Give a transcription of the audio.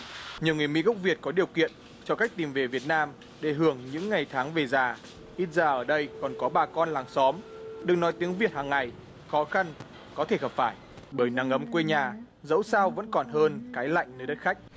nhiều người mỹ gốc việt có điều kiện cho cách tìm về việt nam để hưởng những ngày tháng về già ít ra ở đây còn có bà con làng xóm được nói tiếng việt hàng ngày khó khăn có thể gặp phải bởi nắng ấm quê nhà dẫu sao vẫn còn hơn cái lạnh nơi đất khách